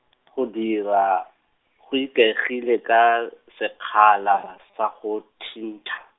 go dira, go ikaegile ka, sekgala, sa go, thintha.